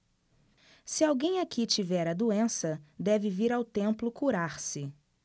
se alguém aqui tiver a doença deve vir ao templo curar-se